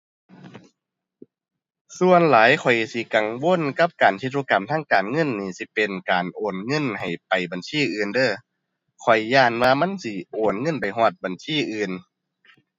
ส่วนหลายข้อยสิกังวลกับการเฮ็ดธุรกรรมทางการเงินนี่สิเป็นการโอนเงินให้ไปบัญชีอื่นเด้อ ข้อยย้านว่ามันสิโอนเงินไปฮอดบัญชีอื่น